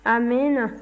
amiina